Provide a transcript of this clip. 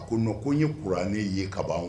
A ko n ko ye kurauran ne ye kaban